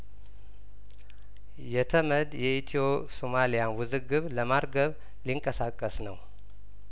የተመድ የኢትዮ ሶማሊያን ውዝግብ ለማርገብ ሊንቀሳቀስ ነው